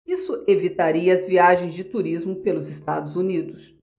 isso evitaria as viagens de turismo pelos estados unidos